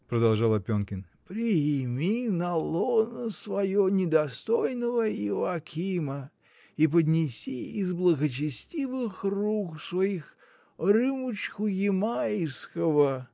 — продолжал Опенкин, — приими на лоно свое недостойного Иоакима и поднеси из благочестивых рук своих рюмочку ямайского.